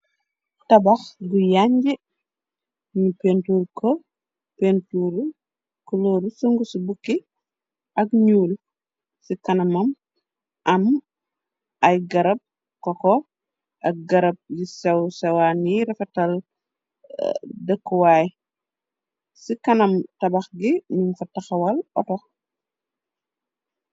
Tabax bu yanji, nu pentuur ko, pentuuru kulooru sungu ci bukki ak ñuul, ci kanamam am ay garab koko ak garab yi sew sewaan yi refetal dëkkuwaay, ci kanam tabax gi num fa taxawal oto.